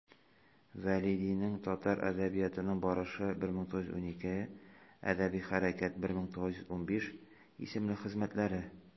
Вәлидинең «Татар әдәбиятының барышы» (1912), «Әдәби хәрәкәт» (1915) исемле хезмәтләре.